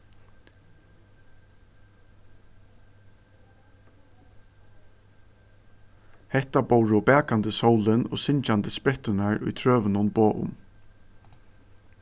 hetta bóru bakandi sólin og syngjandi spretturnar í trøunum boð um